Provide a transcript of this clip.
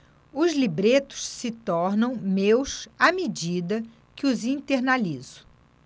os libretos se tornam meus à medida que os internalizo